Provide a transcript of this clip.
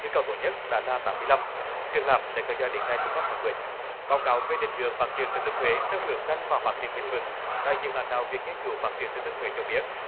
người cao tuổi nhất đã là tám mươi lăm triển lãm sẽ kéo dài đến ngày mùng năm tháng mười báo cáo về định hướng phát triển thừa thiên huế theo hướng xanh và phát triển bền vững đại diện lãnh đạo việc nghiên cứu phát triển tin tức về cho biết